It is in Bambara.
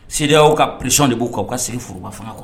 Sew ka psiɔn de b'o kan u ka sigi foroba fanga